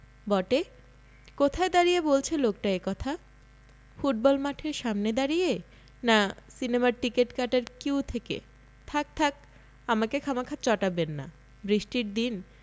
বটে কোথায় দাঁড়িয়ে বলছে লোকটা এ কথা ফুটবল মাঠের সামনে দাঁড়িয়ে না সিনেমার টিকিট কাটার কিউ থেকে থাক্ থাক্ আমাকে খামাখা চটাবেন না বৃষ্টির দিন